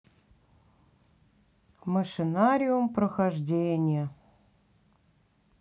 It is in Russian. машинариум прохождение